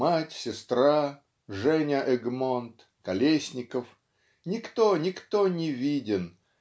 мать, сестра, Женя Эгмонт, Колесников - никто, никто не виден